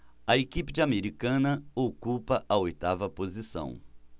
a equipe de americana ocupa a oitava posição